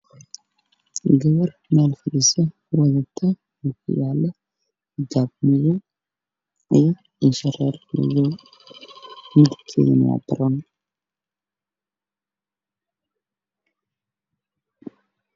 Waa meel ay fadhiyan gabdho mida soo horeeyso waxa ay wadataa ookiya cadaan ah